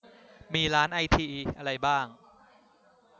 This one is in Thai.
มีร้านไอทีอะไรบ้าง